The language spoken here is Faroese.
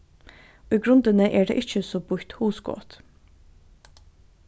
í grundini er tað ikki so býtt hugskot